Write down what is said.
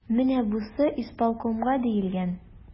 Менә бусы исполкомга диелгән.